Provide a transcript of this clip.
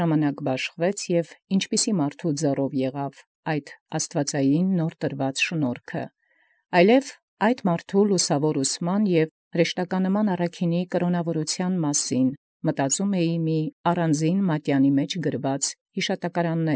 Ժամանակի մատակարարեցաւ և որպիսի՛ արամբ այնպիսի նորոգատուր աստուածեղէն շնորհս երևեցաւ և վասն նորին լուսաւոր վարդապետութեան և հրեշտակաբար կրաւնիցն առաքինութեան զմտաւ ածելով յիշատակարանս առանձին մատենանշան։